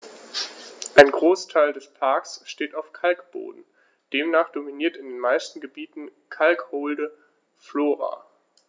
Ein Großteil des Parks steht auf Kalkboden, demnach dominiert in den meisten Gebieten kalkholde Flora.